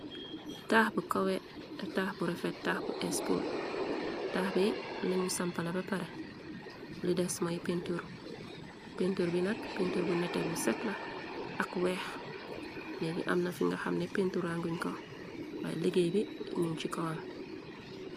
Tax bu kawe tax bu rofet tax bu espol tax bi liñ sampala ba pare li des moy pintur pintur bi nag pintur bu nete bu setla ak weex li gi amna fi nga xamne pinturanguñ ko waay liggéey bi ñu ci kowam.